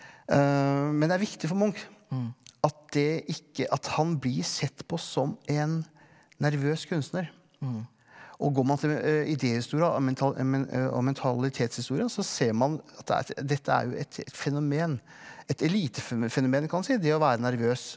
men det er viktig for Munch at det ikke at han blir sett på som en nervøs kunstner og går man til idéhistorie og mental men og mentalitetshistorien så ser man at det er dette er jo et et fenomen et elitefenomen kan du si det å være nervøs.